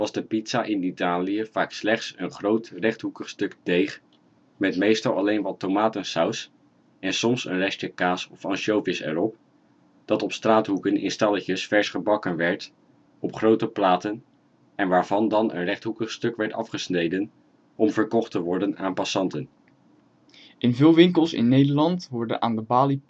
de pizza in Italië vaak slechts een groot rechthoekig stuk deeg met meestal alleen wat tomatensaus en soms een restje kaas of ansjovis erop, dat op straathoeken in stalletjes vers gebakken werd op grote platen en waarvan dan een rechthoekig stuk werd afgesneden om verkocht te worden aan passanten. In veel winkels in Nederland worden aan de balie